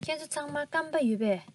ཁྱེད ཚོ ཚང མར སྐམ པ ཡོད པས